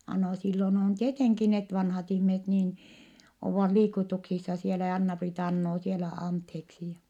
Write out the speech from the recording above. - no silloin on tietenkin ne vanhat ihmiset niin ovat liikutuksissa siellä ja Anna-Priita anoo siellä anteeksi ja